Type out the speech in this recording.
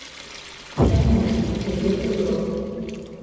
таможня дает добро